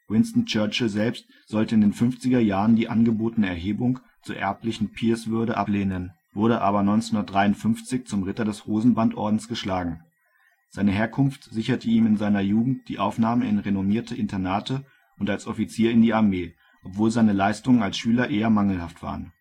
Winston Churchill selbst sollte in den 50er Jahren die angebotene Erhebung zur erblichen Peerswürde ablehnen, wurde aber 1953 zum Ritter des Hosenbandordens geschlagen. Seine Herkunft sicherte ihm in seiner Jugend die Aufnahme in renommierte Internate und als Offizier in die Armee, obwohl seine Leistungen als Schüler eher mangelhaft waren